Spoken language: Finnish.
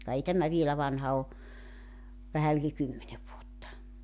ka ei tämä vielä vanha ole vähän yli kymmenen vuotta